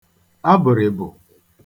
abụ̀rị̀bụ̀